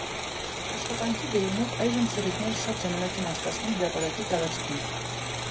Աշխատանքի բերումով այժմ ցերեկները շատ ժամանակ եմ անցկացնում հրապարակի տարածքում։